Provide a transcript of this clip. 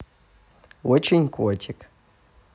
очень котик